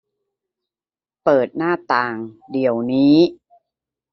เปิดหน้าต่างเดี๋ยวนี้